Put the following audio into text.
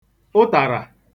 ụtàrà